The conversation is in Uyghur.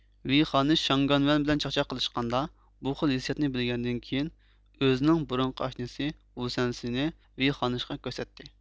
ۋېي خانىش شاڭگۈەنۋەن بىلەن چاخچاق قىلشقاندا بۇ خىل ھېسياتنى بىلگەندىن كېيىن ئۆزىنىڭ بۇرۇنقى ئاشنىسى ۋۇسەنسنى ۋېي خانىشقا كۆرسەتتى